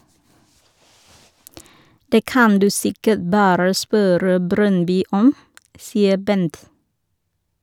Det kan du sikkert bare spørre Brøndby om, sier Bent.